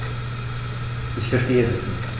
Ich verstehe das nicht.